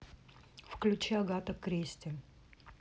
включи агата кристи